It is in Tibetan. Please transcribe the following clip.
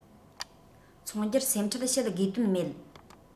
འཚོང རྒྱུར སེམས ཁྲལ བྱེད དགོས དོན མེད